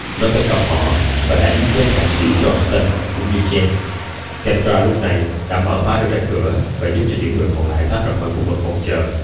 nó tấn công họ và đã giết chết hạ sĩ johnston cũng như chen kendra lúc này đã mở khóa được cánh cửa và giúp cho những người còn lại thoát ra khỏi khu vực phòng chờ